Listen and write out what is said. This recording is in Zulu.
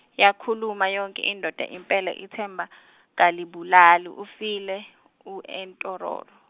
yakhuluma yonke indoda impela ithemba kalibulali ufile, u Entororo.